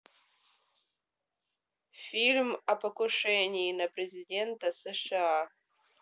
фильм о покушении на президента сша